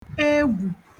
egwù